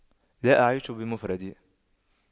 لا أعيش بمفردي